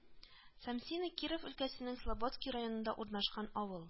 Самсины Киров өлкәсенең Слободской районында урнашкан авыл